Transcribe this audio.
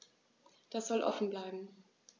Das soll offen bleiben.